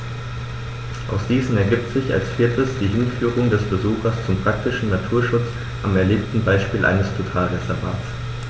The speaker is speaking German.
Aus diesen ergibt sich als viertes die Hinführung des Besuchers zum praktischen Naturschutz am erlebten Beispiel eines Totalreservats.